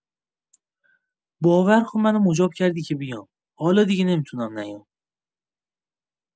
باور کن منو مجاب کردی که بیام، حالا دیگه نمی‌تونم نیام!